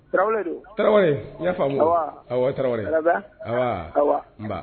Tarawele i y' faamu tarawele nba